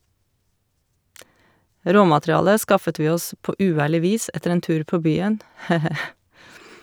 Råmaterialet skaffet vi oss på uærlig vis etter en tur på byen, he he.